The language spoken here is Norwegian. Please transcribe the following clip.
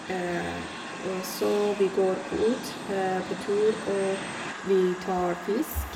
Og så vi går ut på tur, og vi tar fisk.